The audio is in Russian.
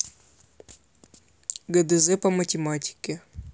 гдз по математике